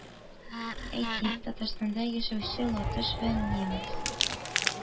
Әйтик, Татарстанда яшәүче латыш вә немец,